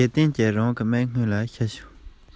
བསམ བློ གཏོང དུ བཅུག གི མི འདུག